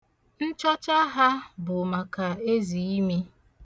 Nchọcha ha bụ maka eziimi.